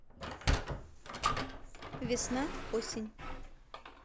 весна осень